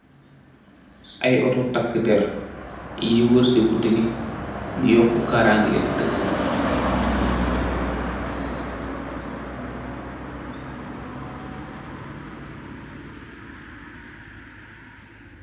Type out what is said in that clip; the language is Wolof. Aye auto takder, yii weur si gudi gih, di yoku karangeeh deuk bi.